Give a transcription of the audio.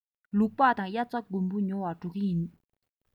ལུག པགས དང དབྱར རྩྭ དགུན འབུ ཉོ བར འགྲོ གི ཡིན